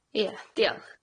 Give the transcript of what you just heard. Ia, diolch.